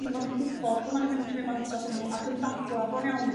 'im yn gw'bod bo' 'na rywun yn cymud mantais ohonyn n'w ac yn dadla' bron iawn i'r